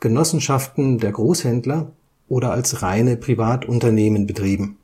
Genossenschaften (der Großhändler) oder als reine Privatunternehmen betrieben